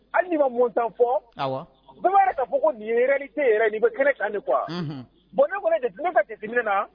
Hali ni ma montant fɔ. Awɔ! Bɛɛ b'a ye k'a fɔ ko nin ye réalité yɛrɛ ye ni bɛ kɛnɛ kan de quoi . Unhun! bon ne kɔnni ye jat , ne ka jate minɛ na